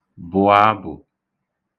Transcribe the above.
bụ̀ abụ̀